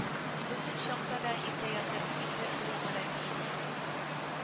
Безнең чакта да иртә ятып, иртә тору гадәте иде инде